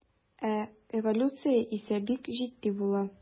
Ә эволюция исә бик җитди була.